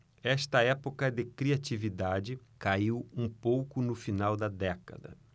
esta época de criatividade caiu um pouco no final da década